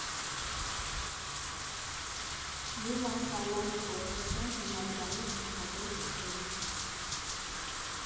Լումա Սալամե Պողոսյան հիմնադրամի գլխավոր տնօրեն։